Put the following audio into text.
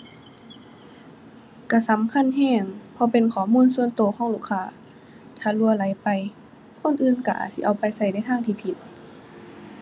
ก็สำคัญก็ เพราะเป็นข้อมูลส่วนก็ของลูกค้า ถ้ารั่วไหลไปคนอื่นก็อาจสิเอาไปก็ในทางที่ผิด